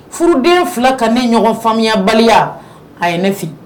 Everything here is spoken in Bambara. Furuden fila kɔni ɲɔgɔn faamuyabaliya, a ye ne fili